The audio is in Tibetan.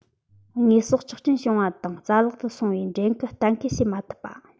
དངོས ཟོག ཆག སྐྱོན བྱུང བ དང རྩ བརླག ཏུ སོང བའི འདྲེན ཁུལ གཏན ཁེལ བྱེད མ ཐུབ པ